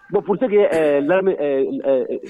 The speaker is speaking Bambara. Bon ce qui est l'Armée ɛɛ